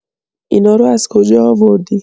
اینا رو از کجا آوردی؟